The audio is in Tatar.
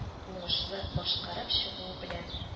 Уңышлы башкарып чыгуы белән